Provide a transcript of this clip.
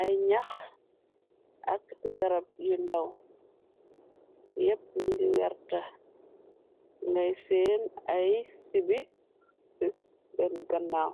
ay ñax ak garab yu ndàw yépp ñu ngi werta ngay sèèn ay sibi ci sèèn ganaw.